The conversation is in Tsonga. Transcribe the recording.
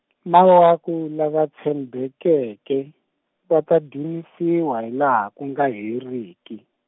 mawaku lava tshembekeke va ta dzunisiwa hilaha ku nga heriki.